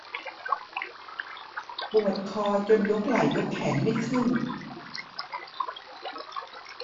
ปวดคอจนยกไหล่ยกแขนไม่ขึ้น